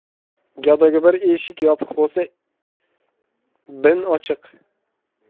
gadoga bir eshik yopiq bo'lsa bin ochiq